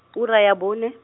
ura ya bone.